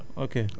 voilà